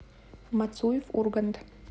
мацуев ургант